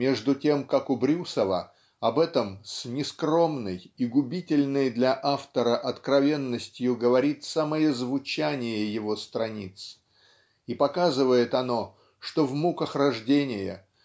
между тем как у Брюсова об этом с нескромной и губительной для автора откровенностью говорит самое звучание его страниц и показывает оно что в муках рождения